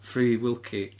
Free Wilkie.